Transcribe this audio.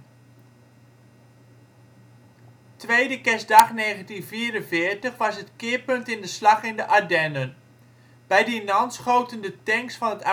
Tweede kerstdag 1944 was het keerpunt in de slag in de Ardennen. Bij Dinant schoten de tanks van